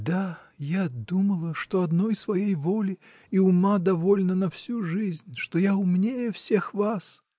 — Да, я думала, что одной своей воли и ума довольно на всю жизнь, что я умнее всех вас.